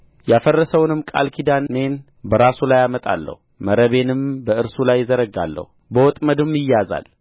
ያፈረሰውንም ቃል ኪዳኔን በራሱ ላይ አመጣለሁ መረቤንም በእርሱ ላይ እዘረጋለሁ በወጥመድም ይያዛል ወደ ባቢሎንም